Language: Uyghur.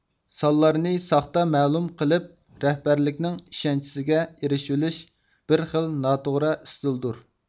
سانلارنى ساختا مەلۇم قىلىپ رەھبەرلىكنىڭ ئىشەنچىسىگە ئېرىشىۋېلىش بىر خىل ناتوغرا ئىستىلدۇر